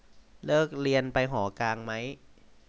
เลิกเรียนไปหอกลางมั้ย